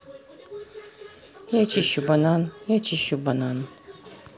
я чищу банан я чищу банан